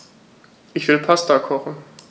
Ich will Pasta kochen.